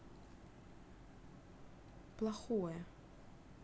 плохое